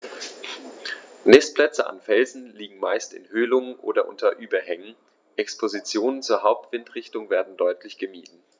Nistplätze an Felsen liegen meist in Höhlungen oder unter Überhängen, Expositionen zur Hauptwindrichtung werden deutlich gemieden.